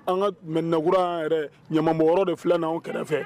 An ka mɛ nakura an yɛrɛ ɲamɔgɔ wɔɔrɔ de filanan na kɛrɛfɛ